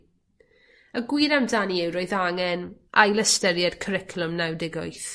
Y gwir amdani yw roedd angen ail ystyried cwricwlwm naw deg wyth.